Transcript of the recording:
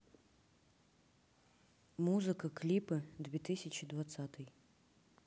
музыка клипы две тысячи двадцатый